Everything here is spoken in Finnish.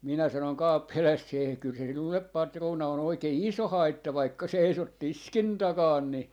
minä sanoin kauppiaalle se kyllä se sinulle patruuna on oikein iso haitta vaikka seisot tiskin takana niin